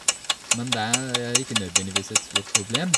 Men det er ikke nødvendigvis et stort problem.